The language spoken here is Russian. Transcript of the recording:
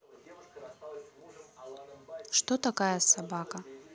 что такая собака